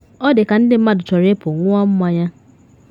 Ọ dị ka ndị mmadụ chọrọ ịpụ ṅwụọ mmanya.